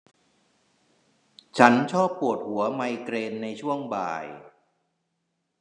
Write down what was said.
ฉันชอบปวดหัวไมเกรนในช่วงบ่าย